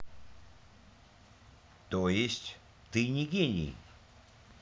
то есть ты не гений